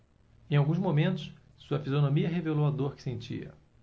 em alguns momentos sua fisionomia revelou a dor que sentia